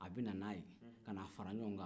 a bɛ nan'a ye kan'a fara ɲɔgɔn kan